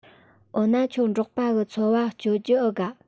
འོ ན ཁྱོད འབྲོག པ གི འཚོ བ སྤྱོད རྒྱུའོ དགའ ག